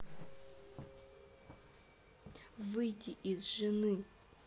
выйди из жены